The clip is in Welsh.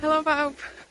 Helo bawb.